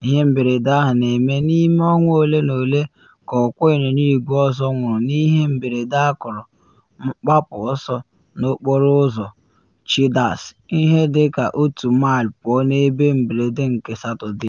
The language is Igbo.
Ihe mberede ahụ na eme n’ime ọnwa ole ma ole ka ọkwọ anyịnya igwe ọzọ nwụrụ n’ihe mberede akụrụ gbapụ ọsọ na Okporo Ụzọ Childers, ihe dị ka otu maịlụ pụọ n’ebe mberede nke Satọde.